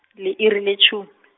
li-iri letjhumi .